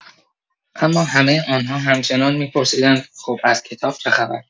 اما همه آن‌ها همچنان می‌پرسیدند: خب از کتاب چه خبر؟